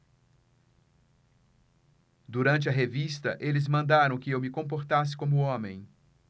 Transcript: durante a revista eles mandaram que eu me comportasse como homem